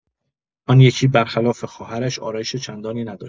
آن یکی بر خلاف خواهرش آرایش چندانی نداشت.